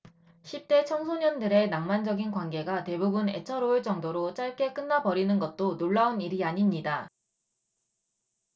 십대 청소년들의 낭만적인 관계가 대부분 애처로울 정도로 짧게 끝나 버리는 것도 놀라운 일이 아닙니다